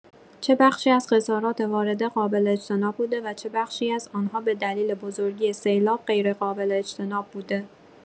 چه بخشی از خسارات وارده قابل‌اجتناب بوده و چه بخشی از آن‌ها به دلیل بزرگی سیلاب غیرقابل اجتناب بوده